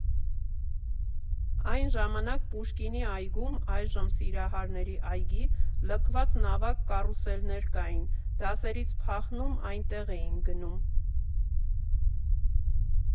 Այն ժամանակվա Պուշկինի այգում (այժմ Սիրահարների այգի) լքված նավակ֊կարուսելներ կային՝ դասերից փախնում՝ ՝ այնտեղ էինք գնում։